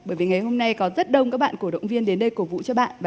bởi vì ngày hôm nay có rất đông các bạn cổ động viên đến đây cổ vũ cho bạn và